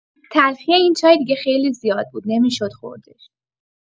تلخی این چای دیگه خیلی زیاد بود، نمی‌شد خوردش.